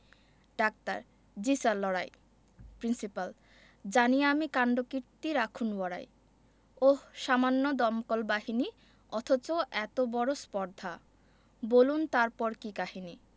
doctor জ্বী sir লড়াই principal জানি আমি কাণ্ডকীর্তি রাখুন বড়াই ওহ্ সামান্য দমকল বাহিনী অথচ এত বড় স্পর্ধা বলুন তারপর কি কাহিনী